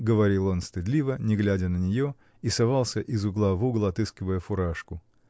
— говорил он стыдливо, не глядя на нее, и совался из угла в угол, отыскивая фуражку.